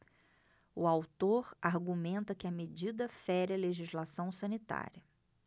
o autor argumenta que a medida fere a legislação sanitária